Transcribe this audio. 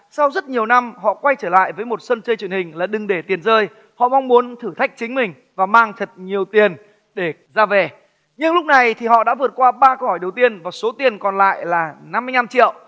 sau rất nhiều năm họ quay trở lại với một sân chơi truyền hình là đừng để tiền rơi họ mong muốn thử thách chính mình và mang thật nhiều tiền để ra về nhưng lúc này thì họ đã vượt qua ba câu hỏi đầu tiên và số tiền còn lại là năm mươi nhăm triệu